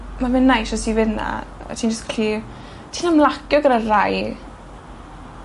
ma' fe'n neis jyst i fynd 'na a ti jys 'n gallu... Ti'n ymlacio gyda rhai